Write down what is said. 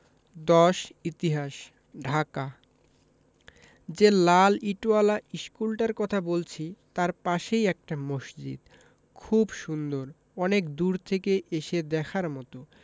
১০ ইতিহাস ঢাকা যে লাল ইটোয়ালা ইশকুলটার কথা বলছি তাই পাশেই একটা মসজিদ খুব সুন্দর অনেক দূর থেকে এসে দেখার মতো